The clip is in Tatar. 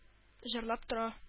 Җырлап тора